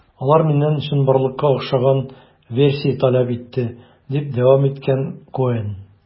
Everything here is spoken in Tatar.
Алар миннән чынбарлыкка охшаган версия таләп итте, - дип дәвам иткән Коэн.